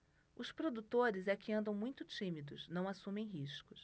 os produtores é que andam muito tímidos não assumem riscos